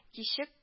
Кичек